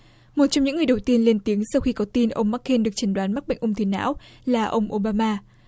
một trong những người đầu tiên lên tiếng sau khi có tin ông mắc cên được chẩn đoán mắc bệnh ung thư não là ông ô ba ma